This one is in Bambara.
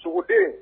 Sogoden